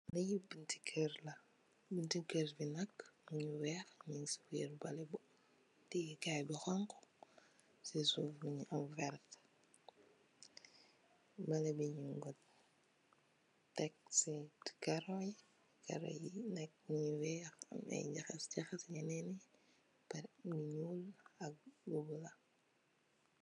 Lii bunti kerr la, bunti kerr bii nak am wehrre mung cii birr baleh bu am tiyeh kaii bu honhu, cii suff mungy am vert, baleh bii njung kor tek cii kaaroh yii, kaaroh yii nak njungy wekh amna aiiy njanhass njanhass njenen bu njull ak bu bulah.